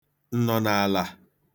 ǹnọ̀nààlà